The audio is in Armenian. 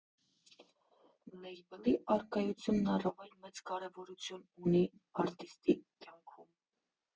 Լեյբլի առկայությունն առավել մեծ կարևորություն ունի արտիստի կյանքում։